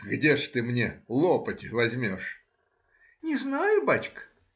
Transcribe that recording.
— Где же ты мне лопать возьмешь? — Не знаю, бачка.